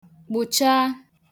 kpụ̀cha